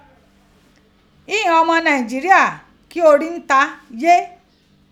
Ghii ighan ọmọ Naijiria ki ori n ta ye.